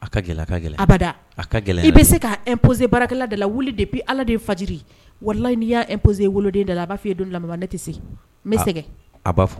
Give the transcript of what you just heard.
A ka gɛlɛn ka gɛlɛn abada a ka gɛlɛn i bɛ se ka a imposer barakɛla dala la wuli depuis bɛ Ala den fajiri walahi n'i y'a woloden dala a b'a fɔ i ye don dɔ la mama ne tɛ se, n bɛ sɛgɛn a b' fɔ